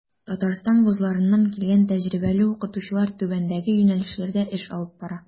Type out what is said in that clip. Татарстан вузларыннан килгән тәҗрибәле укытучылар түбәндәге юнәлешләрдә эш алып бара.